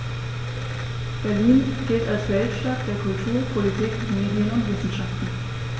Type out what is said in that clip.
Berlin gilt als Weltstadt der Kultur, Politik, Medien und Wissenschaften.